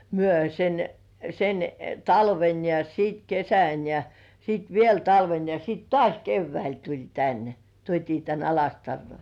me sen sen talven ja sitten kesän ja sitten vielä talven ja - taas keväällä tuli tänne tuotiin tänne Alastaroon